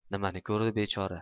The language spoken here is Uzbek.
nimani ko'rdi bechora